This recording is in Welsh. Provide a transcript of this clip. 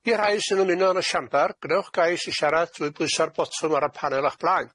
I'r rhai sy'n ymuno yn y siambr, gnewch gais i siarad trwy bwyso'r botwm ar y panel o'ch blaen.